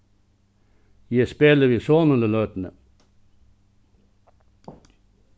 eg spæli við sonin í løtuni